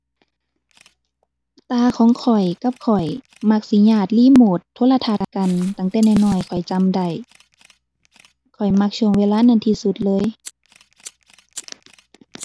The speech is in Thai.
ตาของข้อยกับข้อยมักสิญาดริโมตโทรทัศน์กันตั้งแต่น้อยน้อย ข้อยจำได้ ข้อยมักช่วงเวลานั้นที่สุดเลย